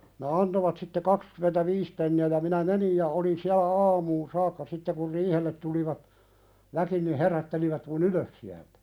ne antoivat sitten kaksikymmentäviisi penniä ja minä menin ja olin siellä aamuun saakka sitten kun riihelle tulivat väki niin herättelivät minun ylös sieltä